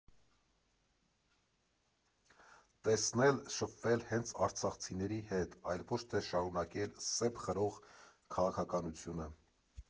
Տեսնել, շփվել հենց արցախցիների հետ, այլ ոչ թե շարունակել սեպ խրող քաղաքականությունը։